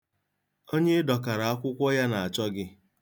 Onye ị dọkara akwụkwọ ya na-achọ gị.